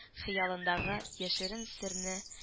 Хыялындагы яшерен серне